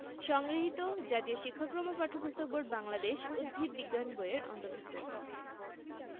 এ উপাদানগুলো মাটিতে বিভিন্ন লবণ হিসেবে থাকে কিন্তু উদ্ভিদ এগুলোকে লবণ হিসেবে সরাসরি শোষণ করতে পারে না আয়ন হিসেবে শোষণ করে যেমন calcium ion magnesium ion ammonium ion